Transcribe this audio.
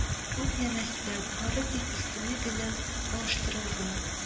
Үк нәмәстә, бары тик исеме генә алыштырылган